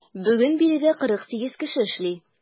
Бүген биредә 48 кеше эшли.